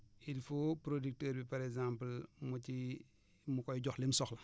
il faut producteur bi par exemple mu ciy mu koy jox li mu soxla